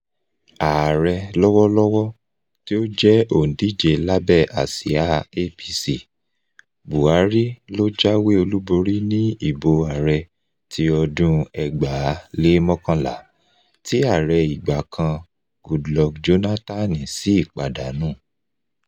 Ààrẹ lọ́wọ́lọ́wọ́ tí ó jẹ́ òǹdíje lábẹ́ àsíá APC, Buhari ló jáwé olúborí nínú ìbò ààrẹ ti ọdún 2011 tí ààrẹ ìgbà kan Goodluck Jónátánì sí pàdánù.